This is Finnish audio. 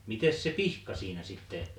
mitenkäs se pihka siinä sitten